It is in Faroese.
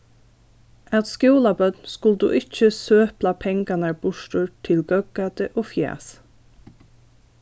at skúlabørn skuldu ikki søpla pengarnar burtur til góðgæti og fjas